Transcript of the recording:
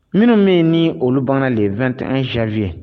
Minnu bɛ ni olu banna le2t an zfiye